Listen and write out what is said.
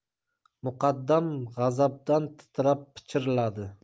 muqaddam g'azabdan titrab pichiriadi